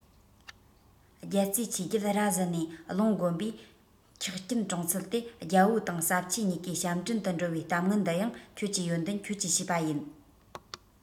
རྒྱལ རྩེ ཆོས རྒྱལ ར བཟི ནས རླུང བསྒོམས པས འཁྱག རྐྱེན གྲོངས ཚུལ དེ རྒྱལ པོ དང ཟབ ཆོས གཉིས ཀའི ཞབས འདྲེན དུ འགྲོ བའི གཏམ ངན འདི ཡང ཁྱོད ཀྱི ཡོན ཏན ཁྱོད ཀྱི བྱས པ ཡིན